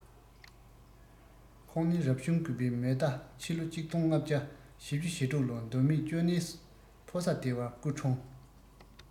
ཁོང ནི རབ བྱུང དགུ བའི མེ རྟ ཕྱི ལོ ༡༥༤༦ ལོར མདོ སྨད ཅོ ནེའི ཕོ ས སྡེ བར སྐུ འཁྲུངས